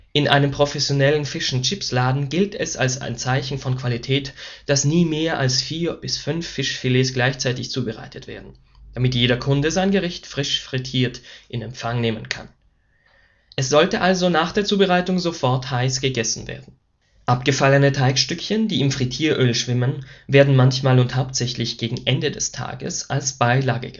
In einem professionellen Fish’ n’ Chips-Laden gilt es als ein Zeichen von Qualität, dass nie mehr als vier bis fünf Fischfilets gleichzeitig zubereitet werden, damit jeder Kunde sein Gericht frisch frittiert in Empfang nehmen kann. Es sollte also nach der Zubereitung sofort heiß gegessen werden. Abgefallene Teigstückchen, die im Frittieröl schwimmen, werden manchmal und hauptsächlich gegen Ende des Tages als Beilage